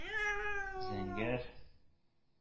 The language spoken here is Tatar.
Зәңгәр